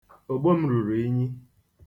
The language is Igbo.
Ogbo m ruru unyi.